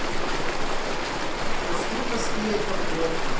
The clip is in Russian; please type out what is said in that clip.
поспи поспи это плохо